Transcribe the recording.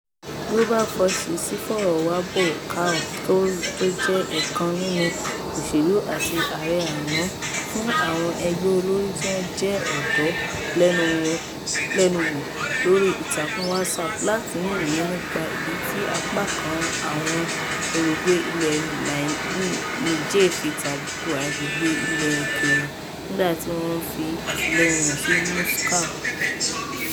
Global Voices fọ̀rọ̀wá Boubacar Touré tí ó jẹ́ èèkàn nínú òṣèlú àti ààrẹ àná fún àwọn ẹgbẹ́ olórí tí wọ́n jẹ́ ọ̀dọ́ lẹ́nu wò lórí ìtàkùn Whatsapp láti ní òye nípa ìdí tí apá kan àwọn olùgbé ilẹ̀ Niger fi tàbùkù àgbègbè ilẹ̀ òkèèrè nígbà tí wọ́n ń fi àtìlẹ́yìn hàn sí Moscow.